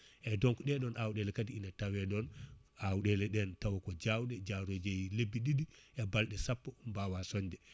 eyyi donc ɗenɗon awɗele kadi ina taweɗon awɗele ɗen taw ko jawɗe jaaroji lebbi ɗiɗi e balɗe sappo mbawa sooñde